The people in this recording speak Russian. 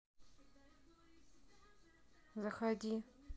заходи